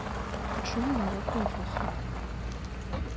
почему он закончился